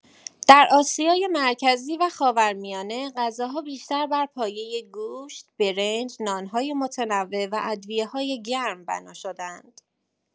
در آسیای مرکزی و خاورمیانه، غذاها بیشتر بر پایه گوشت، برنج، نان‌های متنوع و ادویه‌های گرم بنا شده‌اند.